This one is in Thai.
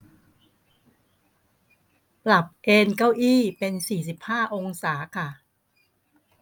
ปรับเอนเก้าอี้เป็นสี่สิบห้าองศาค่ะ